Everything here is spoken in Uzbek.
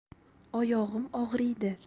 oyog'im og'riydi